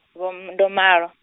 vho m-, ndo malwa.